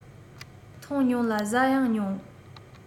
འཐུང མྱོང ལ ཟ ཡང མྱོང